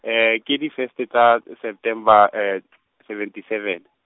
ke di first e tsa September , seventy seven.